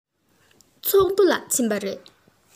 ཚོགས འདུ ལ ཕྱིན པ རེད